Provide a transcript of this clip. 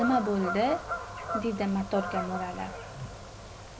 nima bo'ldi dedi motorga mo'ralab